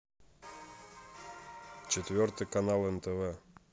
четвертый канал нтв